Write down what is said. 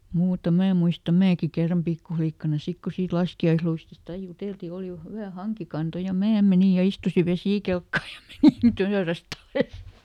muuta minä en muista minäkin kerran pikkulikkana sitten kun siitä laskiaisluistista aina juteltiin oli hyvä hankikanto ja minä menin ja istuin vesikelkkaan ja menin töyrästä alas